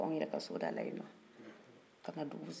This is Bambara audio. k'an ka dugu sigifɛnw ta k'u kalifa mɔgɔw la